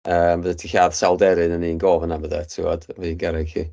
Yym byddet ti'n lladd sawl aderyn yn un go fan'na yn byddet tibod, efo un garreg 'lly.